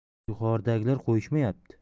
yuqoridagilar qo'yishmayapti